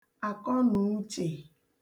àkọnàuchè